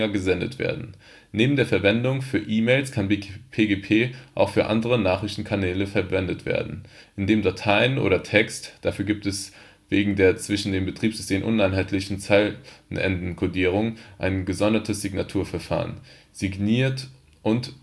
gesendet werden. Neben der Verwendung für E-Mails kann PGP auch für andere Nachrichtenkanäle verwendet werden, indem Dateien oder Text (dafür gibt es wegen der zwischen den Betriebssystemen uneinheitlichen Zeilenende-Codierung ein gesondertes Signaturverfahren) signiert und